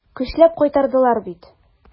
Көчләп кайтардылар бит.